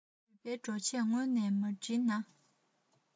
འགྲུལ པས འགྲོ ཆས སྔོན ནས མ བསྒྲིགས ན